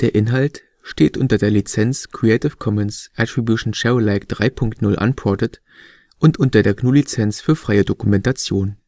Inhalt steht unter der Lizenz Creative Commons Attribution Share Alike 3 Punkt 0 Unported und unter der GNU Lizenz für freie Dokumentation